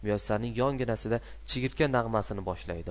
muyassarning yonginasida chigirtka nag'masini boshlaydi